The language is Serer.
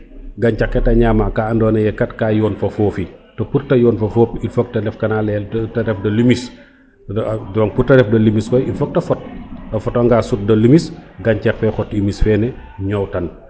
gancax kete ñama ka ando naye kat ka yoon fo fofi to pour te yoon fo foof le il faut te jeg kana leyel te ref de lumice gancax fe xot lumice fene a niotan